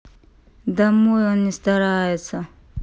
домой он не старается